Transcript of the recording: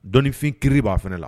Dɔnnifin kiri b'a fana la